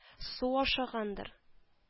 Су ашагандыр